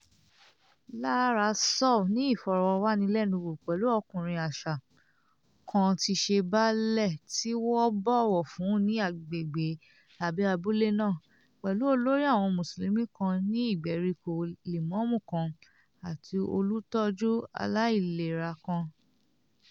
Lára Sow ní ìfọ̀rọ̀wánilẹ́nuwò pẹ̀lú "ọkùnrin àṣà", kan tíí ṣe baálé tí wọ́n bọ̀wọ̀ fún ní agbègbè tàbí abúlé náà, pẹ̀lú olórí àwọn Mùsùlùmí kan ní ìgbèríko (lèmọ́ọ́mù kan) àti olùtọ́jú aláìlera kan.